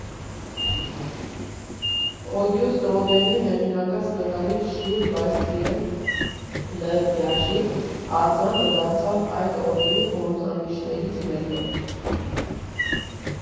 Օգյուստ Ռոդենի հեղինակած՝ նկարիչ Ժյուլ Բաստիեն Լըպաժի արձանը դարձավ այդ օրերի խորհրդանիշներից մեկը։